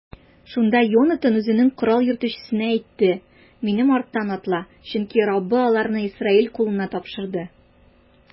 Шунда Йонатан үзенең корал йөртүчесенә әйтте: минем арттан атла, чөнки Раббы аларны Исраил кулына тапшырды.